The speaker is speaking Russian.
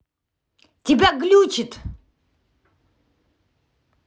тебя глючит